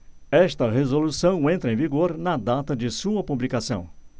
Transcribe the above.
esta resolução entra em vigor na data de sua publicação